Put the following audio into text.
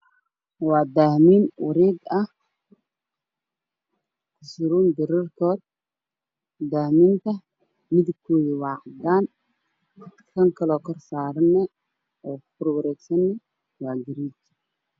Wadaagayaal hilibkoodu yahay caddaan saddexda hore oo dhegan oo madow ah